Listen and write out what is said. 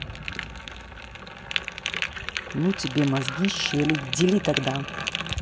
ну тебе мозги щели дели тогда